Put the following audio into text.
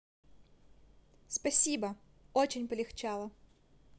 спасибо очень легчало